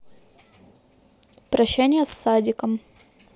прощание с садиком